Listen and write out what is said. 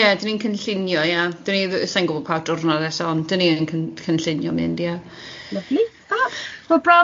m- ie dan ni'n cynllunio ie, 'dan ni dd- sa i'n gwybod pa diwrnod eto, ond 'dan ni yn cyn- cynllunio mynd, ie.